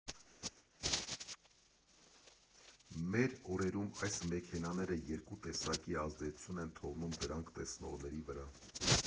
Մեր օրերում այս մեքենաները երկու տեսակի ազդեցություն են թողնում դրանք տեսնողների վրա։